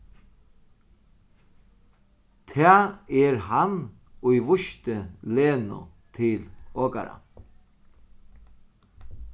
tað er hann ið vísti lenu til okara